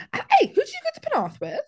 Hey! Who did you go to Penarth with?